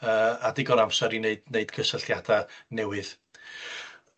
Yy a digon o amser i neud neud cysylltiada newydd.